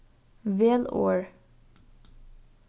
vel orð